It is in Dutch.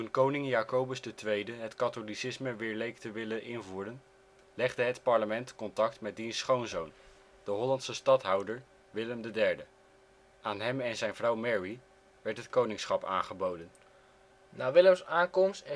koning Jacobus II het katholicisme weer leek te willen invoeren, legde het parlement contact met diens schoonzoon, de Hollandse stadhouder Willem III. Aan hem en zijn vrouw Mary werd het koningschap aangeboden. Na Willems aankomst